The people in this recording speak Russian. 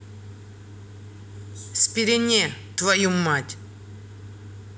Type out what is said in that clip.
спирине твою мать